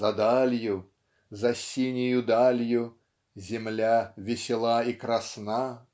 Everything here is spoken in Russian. За далью, за синею далью, Земля весела и красна.